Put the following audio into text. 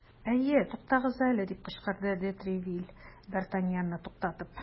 Әйе, тукагыз әле! - дип кычкырды де Тревиль, д ’ Артаньянны туктатып.